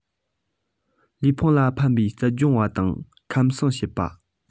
ལུས ཕུང ལ ཕན པའི རྩལ སྦྱོང བ དང ཁམས གསེང བྱེད པ